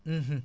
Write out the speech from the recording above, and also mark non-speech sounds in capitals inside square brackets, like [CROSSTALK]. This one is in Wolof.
[HESITATION] [HESITATION]